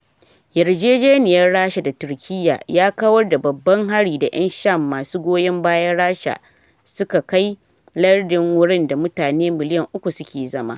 Yarjejeniyar Rasha da Turkiyar ya kawar da babban hari da ‘yan Sham masu goyon bayan Rasha suka kai lardin, wurin da mutane miliyan uku suke zama.